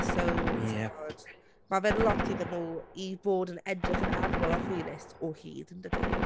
so...Ie... Timod? Ma' fe'n lot iddyn nhw, i fod yn edrych yn annwyl a hwylus o hyd, yn dydi?